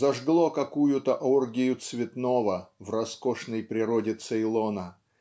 зажгло какую-то оргию цветного в роскошной природе Цейлона